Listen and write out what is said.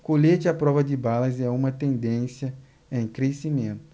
colete à prova de balas é uma tendência em crescimento